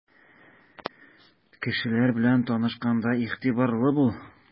Кешеләр белән танышканда игътибарлы бул.